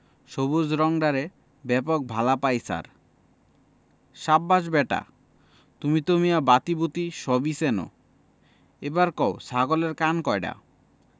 সবুজ রংডারে ব্যাপক ভালা পাই ছার সাব্বাস ব্যাটা তুমি তো মিয়া বাতিবুতি সবই চেনো এইবার কও ছাগলের কান কয়ডা